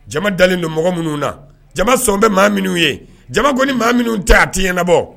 Jama dalen de mɔgɔ minnu na, jama sɔn bɛ maa minnu ye, jama ko ni maa minnu tɛ ta a tɛ ɲɛnabɔ